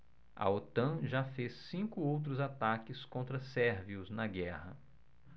a otan já fez cinco outros ataques contra sérvios na guerra